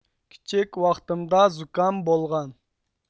كىچىك ۋاقتىمدا زۇكام بولغان